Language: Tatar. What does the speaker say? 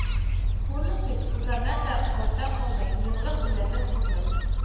Хурлык бит, кызлардан да артта калдык, егылып үләрлек хурлык